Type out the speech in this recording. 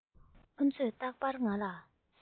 ཁོ ཚོས རྟག པར ང ལ